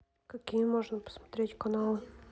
какие можно посмотреть каналы